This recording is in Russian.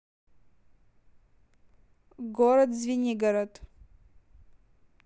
город звенигород